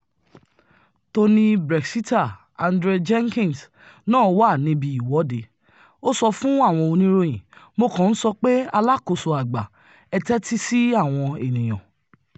Tory Brexiteer Andrea Jenkyns náà wà níbi ìwọ́de, ó sọ fún àwọn oníròyìn: 'Mo kàn ń sọ pé: Alákòóso àgbà, ẹ tẹ́tí sí àwọn ènìyàn.